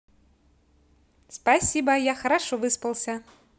спасибо я хорошо выспался